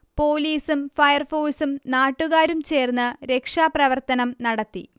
പോലീസും ഫയർഫോഴ്സും നാട്ടുകാരും ചേർന്ന് രക്ഷാപ്രവർത്തനം നടത്തി